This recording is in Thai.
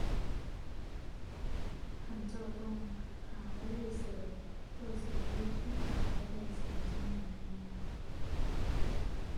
คันเจ้าต้องหารายได้เสริม เจ้าสิมีวิธีหารายได้เสริมจั่งใดแหน่